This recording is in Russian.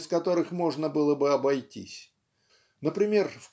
без которых можно было бы обойтись (например